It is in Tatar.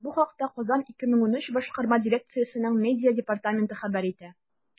Бу хакта “Казан 2013” башкарма дирекциясенең медиа департаменты хәбәр итә.